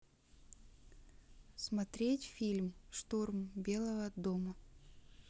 смотреть фильм штурм белого дома